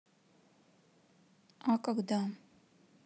а когда